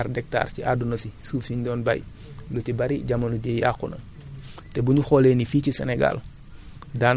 peut être am na ay statistiques yu génn ne plus de deux milliards d' hectare ci àdduna si suuf si ñu doon bay